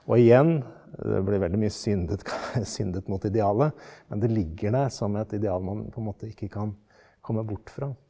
og igjen det blir veldig mye syndet syndet mot idealet men det ligger der som et ideal man på en måte ikke kan komme bort fra.